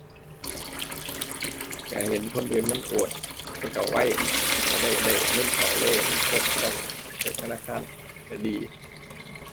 ก็เห็นคนอื่นมันโอน มันก็ไว ก็ได้ ได้เงินเข้าเลย มันบ่ต้องไปธนาคาร ก็ดี